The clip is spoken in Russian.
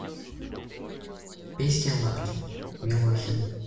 песня лапки милохин